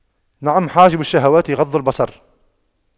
نعم حاجب الشهوات غض البصر